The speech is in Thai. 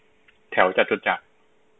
แถวจตุจักร